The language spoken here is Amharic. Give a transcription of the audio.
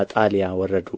አጣልያ ወረዱ